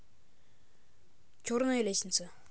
черная лестница